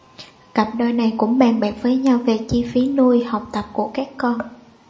cặp đôi này cũng bàn bạc với nhau về chi phí nuôi học tập của các con